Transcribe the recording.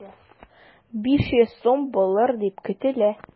500 сум булыр дип көтелә.